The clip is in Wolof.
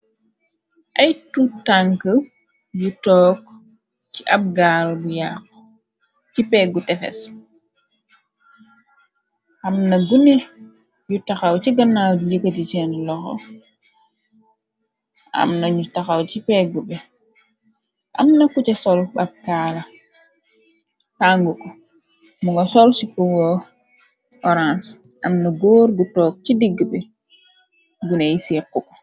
Ay tutank yu took ci ab gaal bu yaq ci peggu tefes. Amna gune yu taxaw ci ganaaw di yëkati seen loxo amnanu xaw g.Amna kuca sol bab kaala tang ko mu nga sol si poo orange. Amna góor gu took ci digg be gune y sequ ko.